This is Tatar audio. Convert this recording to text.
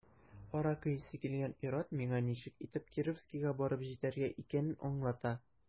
Аракы исе килгән ир-ат миңа ничек итеп Кировскига барып җитәргә икәнен аңлата.